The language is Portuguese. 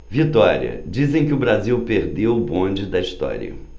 vitória dizem que o brasil perdeu o bonde da história